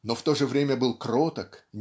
но в то же время был кроток